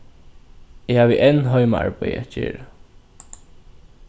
eg havi enn heimaarbeiði at gera